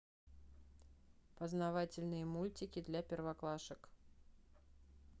познавательные мультики для первоклашек